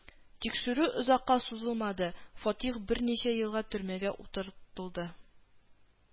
Тикшерү озакка сузылмады, Фатих берничә елга төрмәгә утыр тылды